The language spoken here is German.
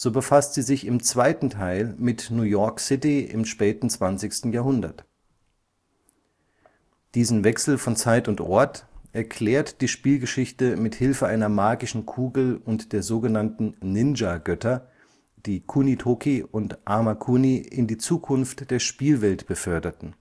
befasst sie sich im zweiten Teil mit New York City im späten 20. Jahrhundert. Diesen Wechsel von Zeit und Ort erklärt die Spielgeschichte mit Hilfe einer magischen Kugel und der sogenannten „ Ninjagötter “, die Kunitoki und Armakuni in die Zukunft der Spielwelt beförderten